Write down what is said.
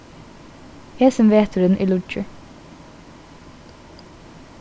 hesin veturin er lýggjur